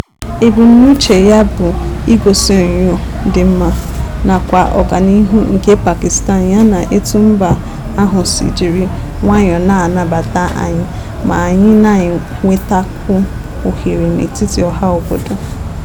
Ebumnuche ya bụ igosi onyinyo dị mma nakwa nke ọganihu nke Pakistan yana etu mba ahụ si jiri nwayọọ na-anabata anyị ma anyị na-enwetakwu ohere n'etiti ọha obodo.